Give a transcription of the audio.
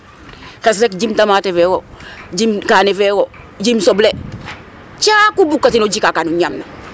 Xes rek jimb tamate fe wo, jimb kaane fe wo, jimb soble caaku bugkatino jika kanu ñaamna .